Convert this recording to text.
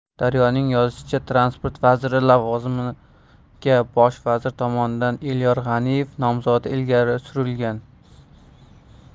daryoning yozishicha transport vaziri lavozimiga bosh vazir tomonidan elyor g'aniyev nomzodi ilgari surilgan